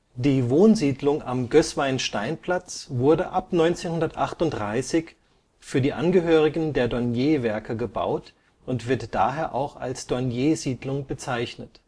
Die Wohnsiedlung am Gößweinsteinplatz wurde ab 1938 für die Angehörigen der Dornierwerke gebaut und wird daher auch als Dorniersiedlung bezeichnet